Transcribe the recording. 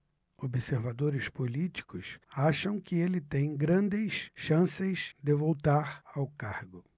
observadores políticos acham que ele tem grandes chances de voltar ao cargo